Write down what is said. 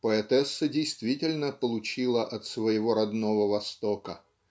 поэтесса действительно получила от своего родного востока.